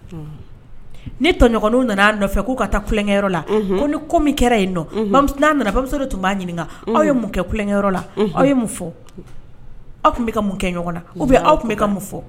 Ni tɔɲw nana nɔfɛ k' ka taakɛyɔrɔ la ko ni ko kɛra n'a ba tun b'a ɲininka aw mun kɛkɛ la aw ye mun fɔ aw tun bɛ ka mun kɛ ɲɔgɔn bɛ aw tun bɛ ka mun fɔ